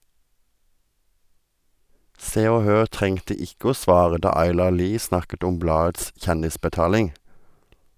Se og Hør trengte ikke å svare da Aylar Lie snakket om bladets kjendisbetaling.